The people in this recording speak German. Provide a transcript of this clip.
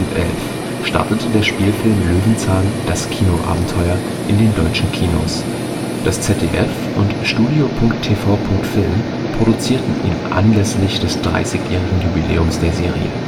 2011 startete der Spielfilm Löwenzahn – Das Kinoabenteuer in den deutschen Kinos. Das ZDF und Studio.TV.Film produzierten ihn anlässlich des 30-jährigen Jubiläums der Serie